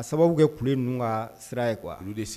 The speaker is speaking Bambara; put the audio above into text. A sababu kɛ ku ninnu ka sira ye' olu de sen